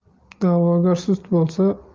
da'vogar sust bo'lsa